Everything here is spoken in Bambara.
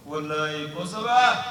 Walahi kosɛbɛ